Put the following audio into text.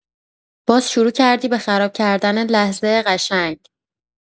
باز شروع کردی به خراب کردن لحظه قشنگ.